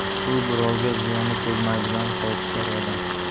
u birovga ziyoni tegmaydigan xokisor odam